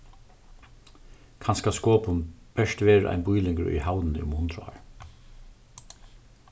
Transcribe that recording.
kanska skopun bert verður ein býlingur í havnini um hundrað ár